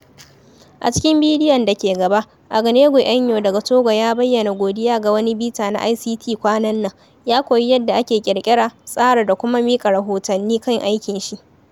A cikin bidiyon da ke gaba, Agnegue Enyo daga Togo ya bayyana godiya ga wani bita na ICT kwanan nan, ya koyi yadda ake ƙirƙira, tsara da kuma miƙa rahotanni kan aikin shi.